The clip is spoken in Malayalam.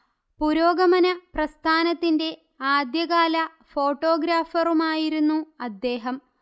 പുരോഗമന പ്രസ്ഥാനത്തിന്റെ ആദ്യകാല ഫോട്ടോഗ്രാഫറുമായിരുന്നു അദ്ദേഹം